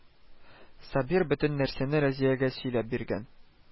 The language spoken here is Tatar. Сабир бөтен нәрсәне Разиягә сөйләп биргән